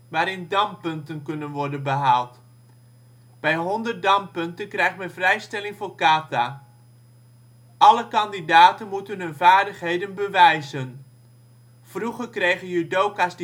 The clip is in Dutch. waarin danpunten kunnen worden behaald. Bij 100 danpunten krijgt men vrijstelling voor kata. Alle kandidaten moeten hun vaardigheden bewijzen. Vroeger kregen judoka 's